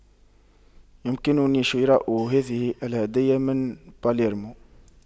يمكنني شراء هذه الهدية من باليرمو